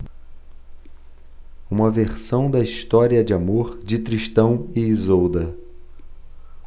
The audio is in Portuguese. uma versão da história de amor de tristão e isolda